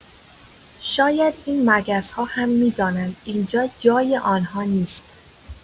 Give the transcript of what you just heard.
شاید این مگس‌ها هم می‌دانند اینجا جای آنها نیست.